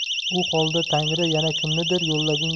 u holda tangri yana kimnidir